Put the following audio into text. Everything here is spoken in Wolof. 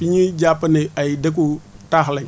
fi ñuy jàpp ne ay dëkku taax lañ